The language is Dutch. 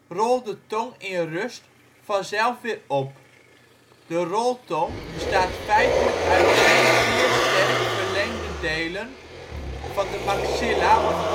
rolt de tong in rust vanzelf weer op. De roltong bestaat feitelijk uit twee zeer sterk verlengde delen van de maxilla